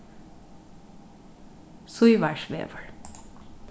sívarsvegur